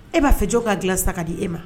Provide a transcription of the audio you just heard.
E b'a fɛ jɔn k'a dilan sisan ka di e ma